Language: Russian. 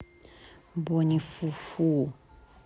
bonnie фуфу